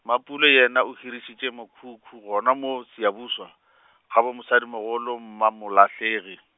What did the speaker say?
Mapule yena o hirišitše mokhukhu gona mo Siyabuswa , ga mosadimogolo Mmamolahlegi.